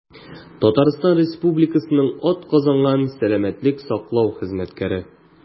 «татарстан республикасының атказанган сәламәтлек саклау хезмәткәре»